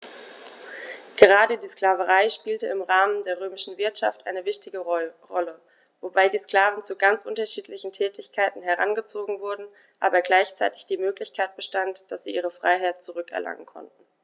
Gerade die Sklaverei spielte im Rahmen der römischen Wirtschaft eine wichtige Rolle, wobei die Sklaven zu ganz unterschiedlichen Tätigkeiten herangezogen wurden, aber gleichzeitig die Möglichkeit bestand, dass sie ihre Freiheit zurück erlangen konnten.